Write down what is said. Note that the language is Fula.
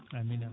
amine